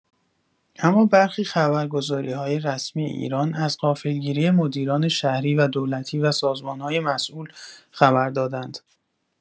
اما برخی خبرگزاری‌های رسمی ایران از غافلگیری مدیران شهری و دولتی و سازمان‌های مسئول خبر دادند.